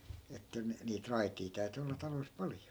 että niitä raiteja täytyi olla taloissa paljon